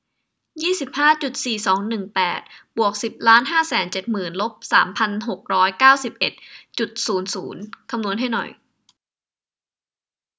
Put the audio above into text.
ยี่สิบห้าจุดสี่สองหนึ่งแปดบวกสิบล้านห้าแสนเจ็ดหมื่นลบสามพันหกร้อยเก้าสิบเอ็ดจุดศูนย์ศูนย์คำนวณให้หน่อย